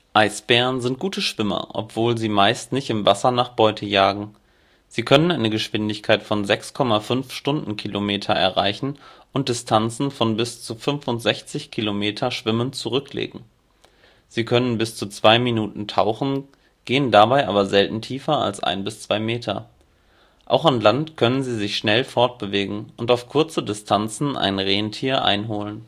Eisbären sind gute Schwimmer, obwohl sie meist nicht im Wasser nach Beute jagen. Sie können eine Geschwindigkeit von 6,5 Stundenkilometer erreichen und Distanzen von bis zu 65 Kilometer schwimmend zurücklegen. Sie können bis zu 2 Minuten tauchen, gehen dabei aber selten tiefer als 1 bis 2 Meter. Auch an Land können sie sich schnell fortbewegen und auf kurze Distanzen ein Rentier einholen